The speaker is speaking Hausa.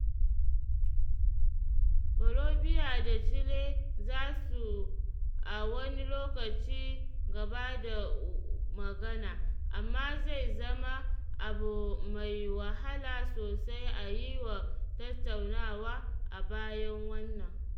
Bolivia da Chile za su a wani lokaci ci gaba da magana, amma zai zama abu mai wahala sosai a yi wa tattaunawa a bayan wannan.